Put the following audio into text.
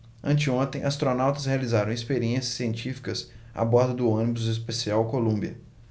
anteontem astronautas realizaram experiências científicas a bordo do ônibus espacial columbia